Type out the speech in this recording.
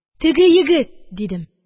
– теге егет! – дидем.